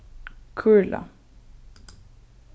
kurla